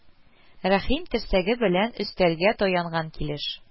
Рәхим, терсәге белән өстәлгә таянган килеш: